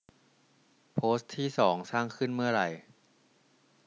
โพสต์ที่สองสร้างขึ้นเมื่อไร